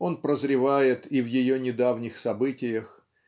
он прозревает и в ее недавних событиях